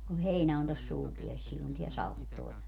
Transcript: kun heinä on tuossa suupielessä silloin tämä sade -